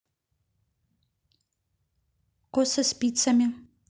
косы спицами